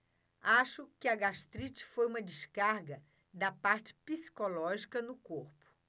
acho que a gastrite foi uma descarga da parte psicológica no corpo